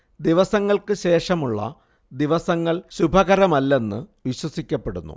ദിവസങ്ങൾക്കു ശേഷമുള്ള ദിവസങ്ങൾ ശുഭകരമല്ലെന്ന് വിശ്വസിക്കപ്പെടുന്നു